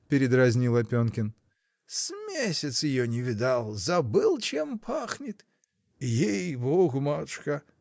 — передразнил Опенкин, — с месяц ее не видал, забыл, чем пахнет. Ей-богу, матушка!